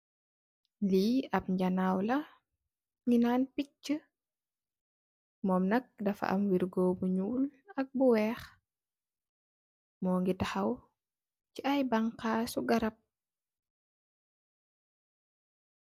Li ap janaw la ñi naw picci, mom nak dafa am wirgo bu ñuul ak bu wèèx.